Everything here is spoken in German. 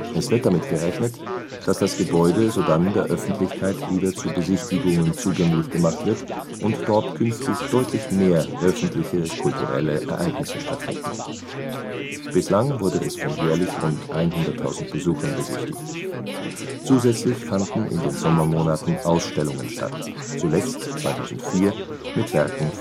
Es wird damit gerechnet, dass das Gebäude sodann der Öffentlichkeit wieder zu Besichtigungen zugänglich gemacht wird und dort künftig deutlich mehr öffentliche (kulturelle) Ereignisse stattfinden. Bislang wurde es von jährlich rund 100.000 Besuchern besichtigt; zusätzlich fanden in den Sommermonaten Ausstellungen statt, zuletzt 2004 mit Werken